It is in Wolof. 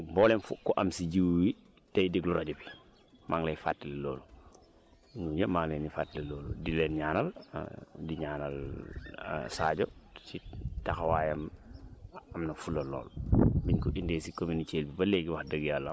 maa ngi leen di fàttali loolu rek ñi mboolem ku am jiwu yi tey déglu rajo bi maa ngi lay fàttali loolu yéen ñëpp maa ngi leen di fàttali loolu di leen ñaanal di ñaanal Sadio si taxawaayam am na fula lool